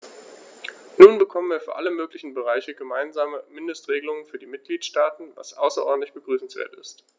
Nun bekommen wir für alle möglichen Bereiche gemeinsame Mindestregelungen für die Mitgliedstaaten, was außerordentlich begrüßenswert ist.